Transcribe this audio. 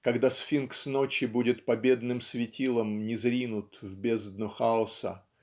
когда сфинкс ночи будет победным светилом низринут в бездну хаоса